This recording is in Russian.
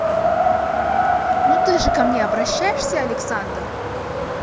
ну ты же ко мне обращаешься александр